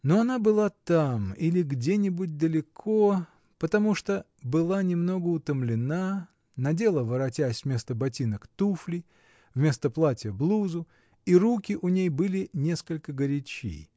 Но она была там или где-нибудь далеко, потому что была немного утомлена, надела, воротясь, вместо ботинок туфли, вместо платья блузу и руки у ней были несколько горячи.